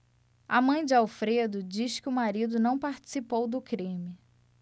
a mãe de alfredo diz que o marido não participou do crime